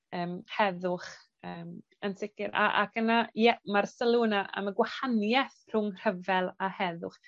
yym heddwch yym yn sicir a ac yna ie ma'r sylw yna am y gwahanieth rhwng rhyfel a heddwch